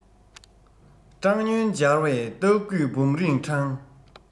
སྦྲང སྨྱོན སྦྱར བས རྟགས བསྐུས སྦོམ རིང མཁྲང